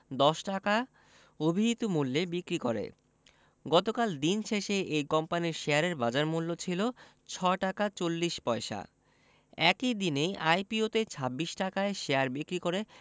১০ টাকা অভিহিত মূল্যে বিক্রি করে গতকাল দিন শেষে এ কোম্পানির শেয়ারের বাজারমূল্য ছিল ৬ টাকা ৪০ পয়সা একই দিনে আইপিওতে ২৬ টাকায় শেয়ার বিক্রি করে